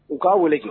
U k'a wuli